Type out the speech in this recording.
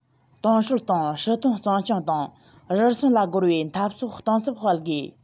བཞི ཏང སྲོལ དང སྲིད དོན གཙང སྐྱོང དང རུལ སུངས ལ རྒོལ བའི འཐབ རྩོད གཏིང ཟབ སྤེལ དགོས